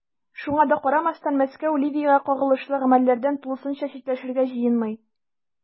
Шуңа да карамастан, Мәскәү Ливиягә кагылышлы гамәлләрдән тулысынча читләшергә җыенмый.